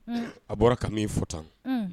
Unh ! A bɔra ka min fɔ tan.